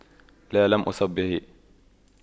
لا لم أصب به